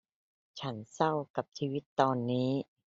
ฉันเศร้ากับชีวิตตอนนี้